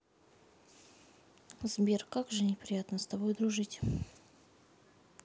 сбер как же неприятно с тобой дружить